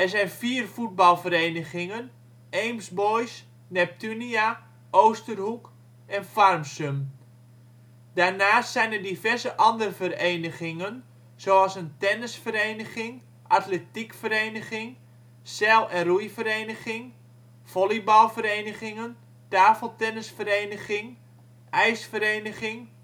zijn vier voetbalverenigingen Eems Boys, Neptunia, Oosterhoek, Farmsum. Daarnaast zijn er diverse andere verenigingen zoals een tennisvereniging, atletiekvereniging, zeil - en roeivereniging, volleybalverenigingen, tafeltennisvereniging, ijsvereniging